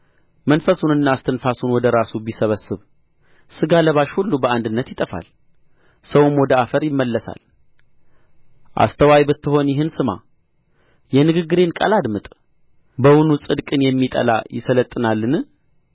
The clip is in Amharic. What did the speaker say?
መንፈሱንና እስትንፋሱን ወደ ራሱ ቢሰበስብ ሥጋ ለባሽ ሁሉ በአንድነት ይጠፋል ሰውም ወደ አፈር ይመለሳል አስተዋይ ብትሆን ይህን ስማ የንግግሬንም ቃል አድመጥ በውኑ ጽድቅን የሚጠላ ይሠለጥናልን